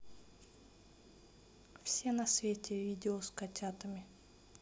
все на свете видео с котятами